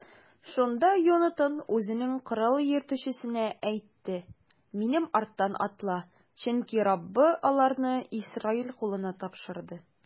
Шунда Йонатан үзенең корал йөртүчесенә әйтте: минем арттан атла, чөнки Раббы аларны Исраил кулына тапшырды.